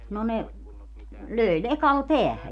no ne löi lekalla päähän